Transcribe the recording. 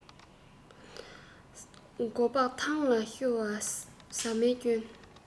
མགོ སྤགས ཐང ལ བཤུ བ ཟ མའི སྐྱོན